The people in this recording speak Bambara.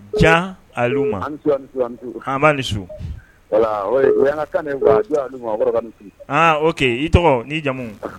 Jo ye alu ma, ani su, a nj su. An baa ani su. Walla! o ye an ka kan de ye, jo alu ma, o kɔrɔ ye ko a ni su okey i tɔgɔ n'i jamu